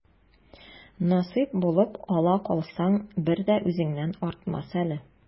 Насыйп булып ала калсаң, бер дә үзеңнән артмас әле.